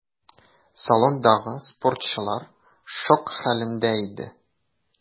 Салондагы спортчылар шок хәлендә иде.